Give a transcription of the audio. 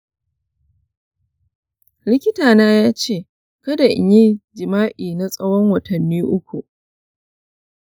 likitana ya ce kada in yi jima’i na tsawon watanni uku.